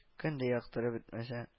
Көн дә яктырып бетмәсә